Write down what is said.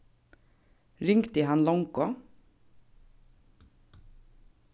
ringdi hann longu